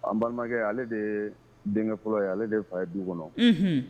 Anbakɛ ale de ye denkɛ fɔlɔ ye ale de fa ye du kɔnɔ